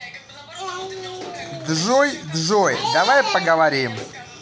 джой джой давай поговорим